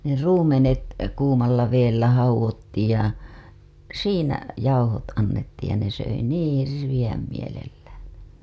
ne ruumenet kuumalla vedellä haudottiin ja siinä jauhot annettiin ja ne söi niin hirveän mielellään että